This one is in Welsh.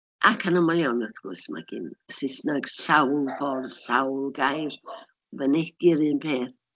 Ac yn aml iawn, wrth gwrs, ma' gan Saesneg sawl ffordd, sawl gair, fynegi'r un peth.